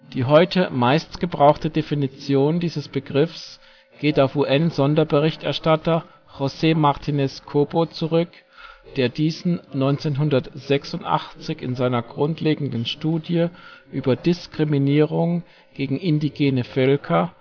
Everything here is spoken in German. Die heute meistgebrauchte Definition diese Begriffs geht auf UN-Sonderberichterstatter José Martinez-Cobo zurück, der diesen 1986 in seiner grundlegenden Studie über Diskriminierung gegen Indigene Völker